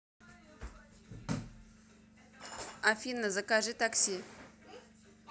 афина закажи такси